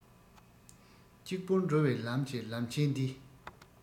གཅིག པོར འགྲོ བའི ལམ གྱི ལམ ཆས འདི